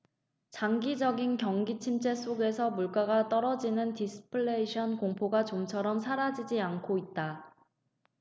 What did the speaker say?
장기적인 경기침체 속에서 물가가 떨어지는 디플레이션 공포가 좀처럼 사라지지 않고 있다